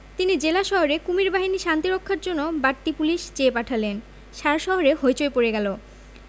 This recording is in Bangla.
তিনি জেলা শহরে কুমীর বাহিনী শান্তি রক্ষার জন্যে বাড়তি পুলিশ চেয়ে পাঠালেন সারা শহরে হৈ চৈ পড়ে গেল